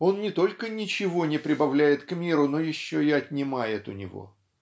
он не только ничего не прибавляет к миру, но еще и отнимает у него.